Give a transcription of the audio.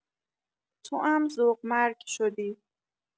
توام ذوق‌مرگ شدی